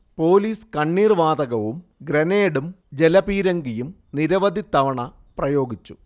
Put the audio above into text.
police കണ്ണീർ വാതകവും ഗ്രനേഡും ജലപീരങ്കിയും നിരവധി തവണ പ്രയോഗിച്ചു